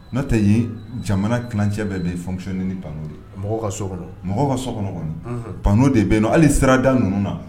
N'o tɛ ye jamana kicɛ bɛ bɛ yen fmusonin pan mɔgɔ ka so mɔgɔ ka so kɔnɔ kɔnɔ pan'o de bɛ hali sirada ninnu na